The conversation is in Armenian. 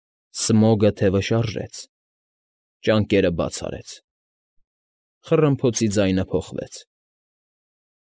Սմոգը թևը շարժեց, ճանկերը բաց արեց, խռմփոցի ձայնը փոխվեց։